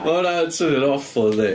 Ma' hwnna yn swnio'n awful yndy?